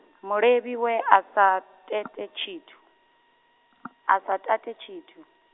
mulevhi we asa thethe tshithu, asa tate tshithu.